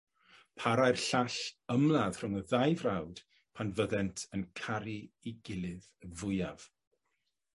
Parai'r llall ymladd rhwng y ddau frawd pan fyddent yn caru 'i gilydd fwyaf.